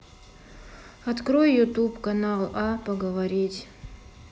открой ютуб канал а поговорить